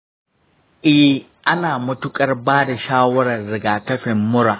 eh, ana matuƙar ba da shawarar rigakafin mura.